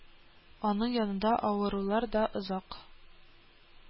Аның янында авырулар да озак